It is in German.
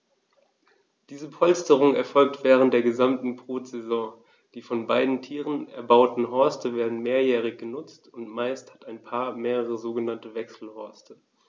Diese Polsterung erfolgt während der gesamten Brutsaison. Die von beiden Tieren erbauten Horste werden mehrjährig benutzt, und meist hat ein Paar mehrere sogenannte Wechselhorste.